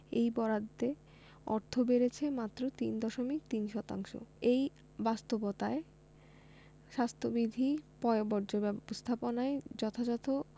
এই বরাদ্দে অর্থ বেড়েছে মাত্র তিন দশমিক তিন শতাংশ এই বাস্তবতায় স্বাস্থ্যবিধি পয়ঃবর্জ্য ব্যবস্থাপনায় যথাযথ